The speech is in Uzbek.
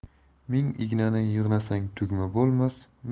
ming ignani yig'nasang tugma bo'lmas